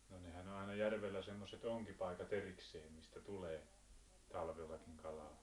no nehän on aina järvellä semmoiset onkipaikat erikseen mistä tulee talvellakin kalaa